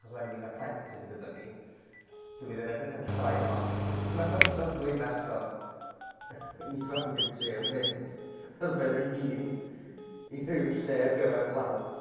Achos wedi bydd 'na plentyn gyda ni, so fydd e'n edrych yn llai od na ddwy person ifanc yn trio mynd ar ben eu hun i ryw lle ar gyfer plant.